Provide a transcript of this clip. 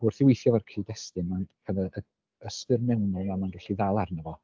Wrth ei weithio efo'r cyd-destun mae'n cael yr ystyr mewnol a ma'n gallu ddal arno fo.